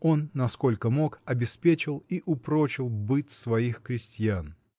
он, насколько мог, обеспечил и упрочил быт своих крестьян.